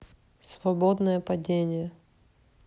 свободное падение